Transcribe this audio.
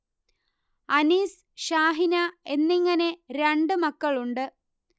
അനീസ് ഷാഹിന എന്നിങ്ങനെ രണ്ട് മക്കളുണ്ട്